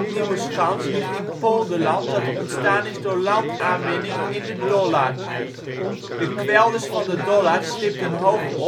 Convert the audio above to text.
Nieuweschans ligt in polderland dat ontstaan is door landaanwinning in de Dollard. De kwelders van de Dollard slibden hoog op en konden na verloop